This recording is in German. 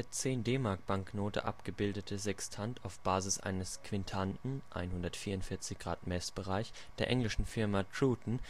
10 DM-Banknote abgebildete Sextant - auf Basis eines Quintanten (144° Meßbereich) der englischen Firma Troughton